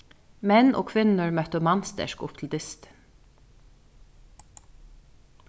menn og kvinnur møttu mannsterk upp til dystin